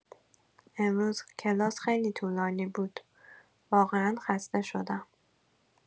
امروز کلاس خیلی طولانی بود واقعا خسته شدم